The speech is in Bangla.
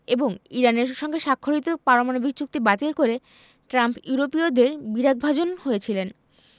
এবং ইরানের সঙ্গে স্বাক্ষরিত পারমাণবিক চুক্তি বাতিল করে ট্রাম্প ইউরোপীয়দের বিরাগভাজন হয়েছিলেন